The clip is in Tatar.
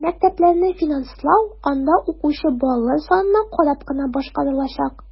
Мәктәпләрне финанслау анда укучы балалар санына карап кына башкарылачак.